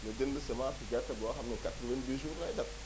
nga jënd semence gerte boo xam ni 90 jours lay def